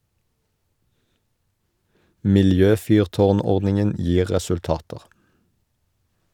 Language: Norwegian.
Miljøfyrtårn-ordningen gir resultater.